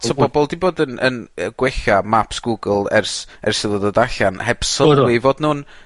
...o bobol 'di bod yn yn yy gwella maps Google ers ers iddo ddod allan heb sylw 'i fod nw'n...